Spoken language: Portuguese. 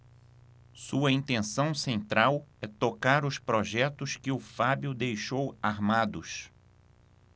sua intenção central é tocar os projetos que o fábio deixou armados